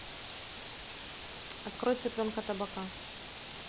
открой цыпленка табака